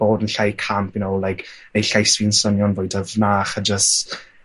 bod yn llai camp you know like neud llais fi'n swnio'n fwy dyfnach a jyst...